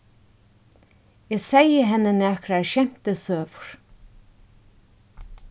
eg segði henni nakrar skemtisøgur